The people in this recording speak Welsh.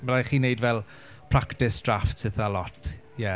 Ma' raid i chi wneud fel practice drafts eitha lot, ie.